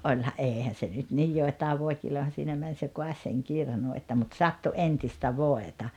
olihan eihän se nyt niin joitain voikilojahan siinä meni se kaatoi sen kirnun että mutta sattui entistä voita